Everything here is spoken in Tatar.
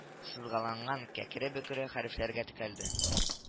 Сызгаланган кәкере-бөкере хәрефләргә текәлде